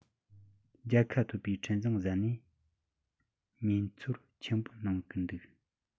རྒྱལ ཁ ཐོབ པའི འཕྲིན བཟང གསན ནས མཉེས ཚོར ཆེན པོ གནང གི འདུག